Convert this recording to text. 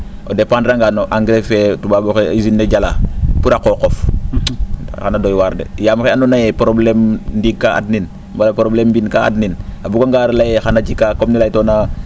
o dependre anga no engrais fee o toubab oxe usine ne jalaa pour a qoqof xana doywaar de yaam axe andoona yee probleme ndiig kaa adnin mbaa probleme mbind kaa adnin a bunganga lay ee xana jikaa comme:frq ne laytanoona